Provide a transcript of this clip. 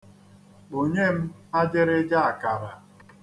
Kponye m ajịrịja akara.